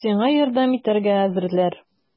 Сиңа ярдәм итәргә әзерләр!